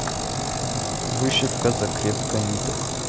вышивка закрепка ниток